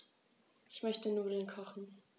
Ich möchte Nudeln kochen.